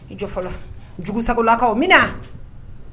I jɔ fɔlɔ! Jugusagolakaw, n b'i na.